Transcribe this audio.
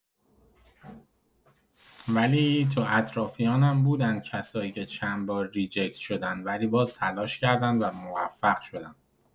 ولی تو اطرافیانم بودن کسایی که چندبار ریجکت شدن ولی باز تلاش کردند و موفق‌شدن